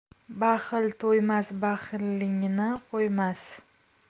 baxil to'ymas baxilligini qo'ymas